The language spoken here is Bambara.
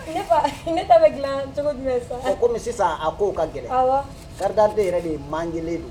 Ne fa ne ta bɛ dilan, yɔrɔ, cogo jumɛn na sisan ? comme sisan a kow ka gɛlɛn, awɔ, carte d'identité yɛrɛ de manquer le don